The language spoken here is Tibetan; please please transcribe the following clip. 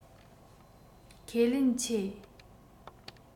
ཁས ལེན ཆེ